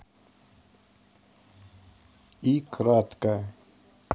и краткая